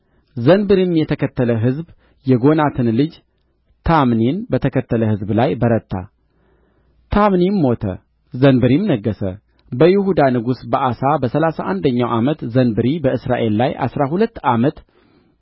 ዘንበሪንም የተከተለ ሕዝብ የጎናትን ልጅ ታምኒን በተከተለ ሕዝብ ላይ በረታ ታምኒም ሞተ ዘንበሪም ነገሠ በይሁዳ ንጉሥ በአሳ በሠላሳ አንደኛው ዓመት ዘንበሪ በእስራኤል ላይ አሥራ ሁለት ዓመት